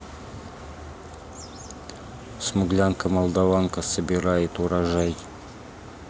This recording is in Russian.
смуглянка молдаванка собирает урожай